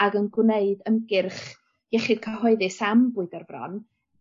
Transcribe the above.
ag yn gwneud ymgyrch iechyd cyhoeddus am fwydo'r bron